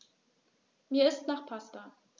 Mir ist nach Pasta.